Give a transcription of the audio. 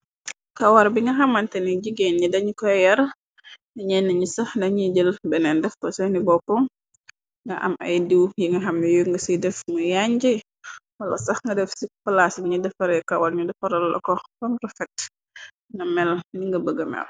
Kawar bi nga xamante ni jigeen ni dañu koy yar dañey nañu sax dañiy jël benneen def ko seni bopp nga am ay diw yi nga xamni yu nga ci def muy yànje wala sax nga def ci palaasi ñi defare kawar ñu defaral lako ponprofekt na mel ni nga bëggamew.